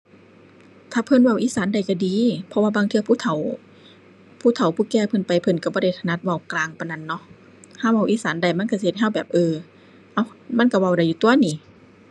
ถ้าเพิ่นเว้าอีสานได้ก็ดี เพราะว่าบางเทื่อ ผู้เฒ่า ผู้เฒ่าผู้แก่เพิ่นไปเพิ่นก็บ่ได้ถนัดเว้ากลางปานนั้นเนาะ ก็เว้าอีสานได้มันก็สิเห็นก็แบบ เอ้อ เอ๋า มันก็เว้าอยู่ตั่วหนิ